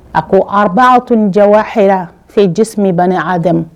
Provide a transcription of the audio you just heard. A ko abaa tun jɛwa hra fo jis ban a dɛmɛmu